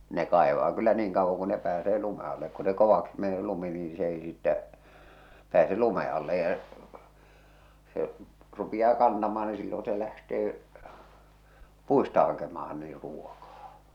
ne kaivaa kyllä niin kauan kuin ne pääsee lumen alle kun se kovaksi menee lumi niin se ei sitten pääse lumen alle ja se rupeaa kantamaan niin silloin se lähtee puista hakemaan niin ruokaa